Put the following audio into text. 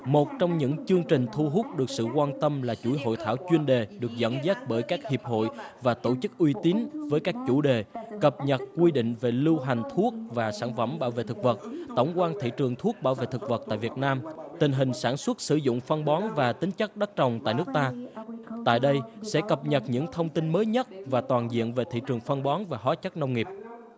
một trong những chương trình thu hút được sự quan tâm là chuỗi hội thảo chuyên đề được dẫn dắt bởi các hiệp hội và tổ chức uy tín với các chủ đề cập nhật quy định về lưu hành thuốc và sản phẩm bảo vệ thực vật tổng quan thị trường thuốc bảo vệ thực vật tại việt nam tình hình sản xuất sử dụng phân bón và tính chất đất trồng tại nước ta tại đây sẽ cập nhật những thông tin mới nhất và toàn diện về thị trường phân bón và hóa chất nông nghiệp